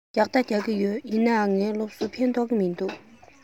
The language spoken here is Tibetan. རྒྱག དང རྒྱག གི ཡོད ཡིན ནའི ངའི སློབ གསོས ཕན ཐོགས ཀྱི མི འདུག